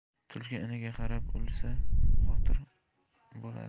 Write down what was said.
tulki iniga qarab ulisa qo'tir bo'ladi